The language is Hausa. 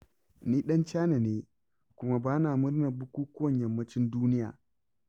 2.Ni ɗan China ne, kuma ba na murnar bukukuwan Yammacin duniya.